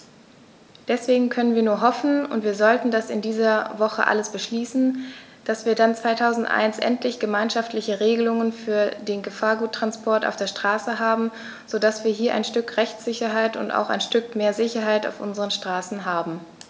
Deswegen können wir nur hoffen - und wir sollten das in dieser Woche alles beschließen -, dass wir dann 2001 endlich gemeinschaftliche Regelungen für den Gefahrguttransport auf der Straße haben, so dass wir hier ein Stück Rechtssicherheit und auch ein Stück mehr Sicherheit auf unseren Straßen haben.